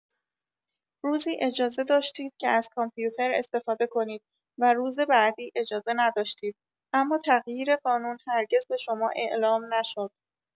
روزی اجازه داشتید که از کامپیوتر استفاده کنید و روز بعدی اجازه نداشتید، اما تغییر قانون هرگز به شما اعلام نشد.